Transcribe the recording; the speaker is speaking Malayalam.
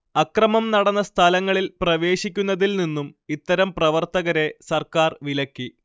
അക്രമം നടന്ന സ്ഥലങ്ങളിൽ പ്രവേശിക്കുന്നതിൽ നിന്നും ഇത്തരം പ്രവർത്തകരെ സർക്കാർ വിലക്കി